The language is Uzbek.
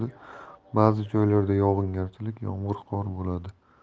o'zgarib turadi ba'zi joylarda yog'ingarchilik yomg'ir qor bo'ladi